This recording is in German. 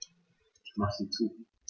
Ich mache sie zu.